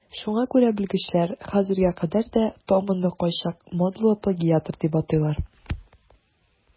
Шуңа күрә белгечләр хәзергә кадәр де Томонны кайчак модалы плагиатор дип атыйлар.